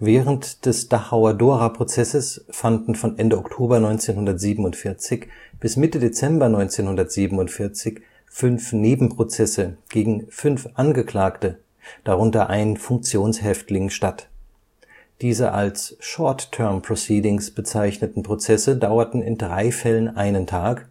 Während des Dachauer Dora-Prozesses fanden von Ende Oktober 1947 bis Mitte Dezember 1947 fünf Nebenprozesse gegen fünf Angeklagte, darunter ein Funktionshäftling, statt. Diese als short-term proceedings bezeichneten Prozesse dauerten in drei Fällen einen Tag